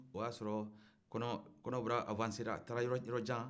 o y'a sɔrɔ kɔnɔbara taara yɔrɔjan